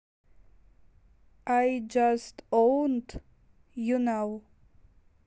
ай джаст уонт ю нау